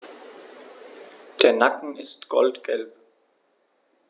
Der Nacken ist goldgelb.